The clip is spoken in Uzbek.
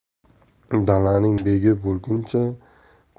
dalaning qozisi bo'lguncha